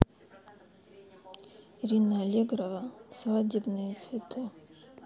ирина аллегрова свадебные цветы